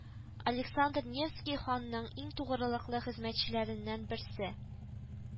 Александр Невский ханның иң тугрылыклы хезмәтчеләреннән берсе